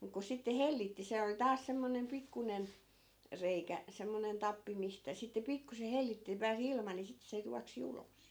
mutta kun sitten hellitti se oli taas semmoinen pikkuinen reikä semmoinen tappi mistä sitten pikkuisen hellitti niin pääsi ilma niin sitten se juoksi ulos